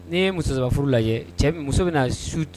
Ni ye muso saba furu lajɛ cɛ bi muso bɛna su